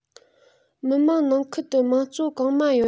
མི དམངས ནང ཁུལ དུ དམངས གཙོ གང མང ཡོད